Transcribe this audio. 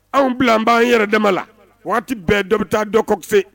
Anw bila an b'an yɛrɛ dɛmɛ la waati bɛn dɔ bɛ taa dɔ kɔ fɛ